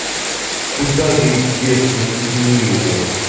куда грипп делся найдите мне его